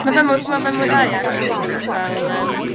Ma' fe'n m- ma' fe'n mwyhau acshyli. Fel, yym...